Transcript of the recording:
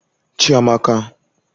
Chiāmākā